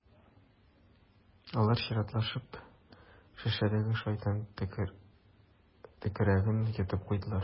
Алар чиратлашып шешәдәге «шайтан төкереге»н йотып куйдылар.